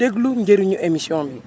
déglu njëriñu émission bi